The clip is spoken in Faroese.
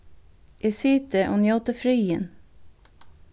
eg siti og njóti friðin